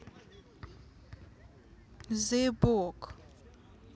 заебок